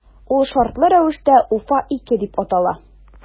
Ул шартлы рәвештә “Уфа- 2” дип атала.